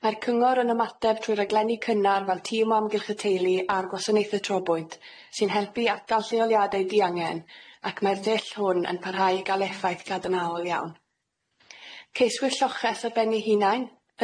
Mae'r cyngor yn ymateb trwy raglenni cynnar fel tîm o amgylch y teulu a'r gwasanaethe trobwynt sy'n helpu i atal lleoliadau diangen ac mae'r ddull hwn yn parhau i ga'l effaith gadarnhaol iawn. Ceiswyr lloches ar ben ei hunain.